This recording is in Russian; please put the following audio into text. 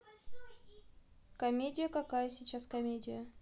комедия какая сейчас комедия